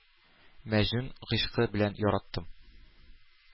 Мәҗнүн гыйшкы белән яраттым.